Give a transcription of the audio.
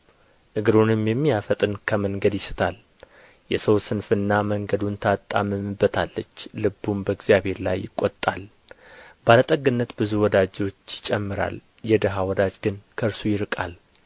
እግሩንም የሚያፈጥን ከመንገድ ይስታል የሰው ስንፍና መንገዱን ታጣምምበታለች ልቡም በእግዚአብሔር ላይ ይቈጣል ባለጠግነት ብዙ ወዳጆች ይጨምራል የድሀ ወዳጅ ግን ከእርሱ ይርቃል